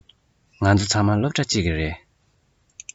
ང ཚོ ཚང མ སློབ གྲྭ གཅིག གི རེད